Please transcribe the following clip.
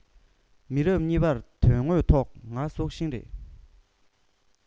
མི རབས གཉིས པར དོན དངོས ཐོག ང སྲོག ཤིང རེད